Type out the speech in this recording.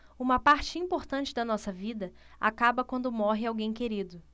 uma parte importante da nossa vida acaba quando morre alguém querido